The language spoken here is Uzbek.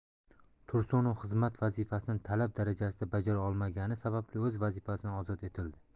tursunov xizmat vazifasini talab darajasida bajara olmagani sababli o'z vazifasidan ozod etildi